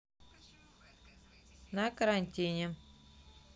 на карантине